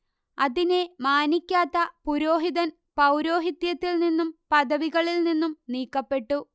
അതിനെ മാനിക്കാത്ത പുരോഹിതൻ പൗരോഹിത്യത്തിൽ നിന്നും പദവികളിൽ നിന്നും നീക്കപ്പെട്ടു